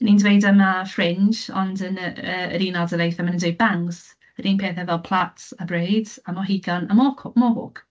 Ni'n dweud yma fringe, ond yn yr yy yr Unol Daleithiau maen nhw'n dweud bangs. Yr un peth efo plaits a braids a mohican a moc- mohawk.